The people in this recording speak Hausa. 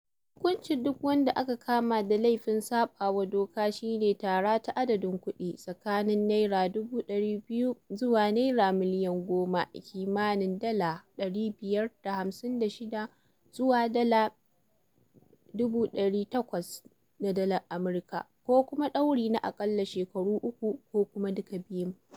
Hukuncin duk wanda aka kama da laifin saɓawa dokar shi ne tara ta adadin kuɗi tsakanin naira 200,000 zuwa naira miliyan 10 [kimanin $556 zuwa $28,000 na dalar Amurka] ko kuma ɗauri na aƙalla shekaru uku ko kuma duka biyun.